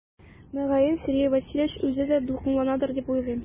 Мөгаен Сергей Васильевич үзе дә дулкынланадыр дип уйлыйм.